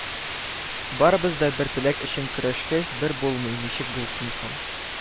Барыбыз да бер теләк өчен көрәшкәч, бер булмый, ничек булсын соң